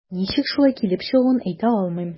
Ничек шулай килеп чыгуын әйтә алмыйм.